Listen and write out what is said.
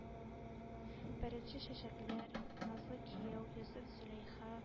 «беренчечәчәкләр», «назлы кияү», «йосыф-зөләйха»